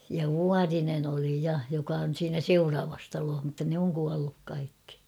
ja Vuorinen oli ja joka on siinä seuraavassa talossa mutta ne on kuollut kaikki